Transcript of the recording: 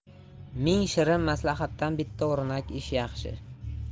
ming shirin maslahatdan bitta o'rnak ish yaxshi